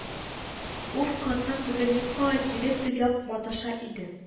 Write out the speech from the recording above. Ул складтан вагонеткага тире төяп маташа иде